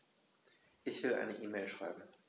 Ich will eine E-Mail schreiben.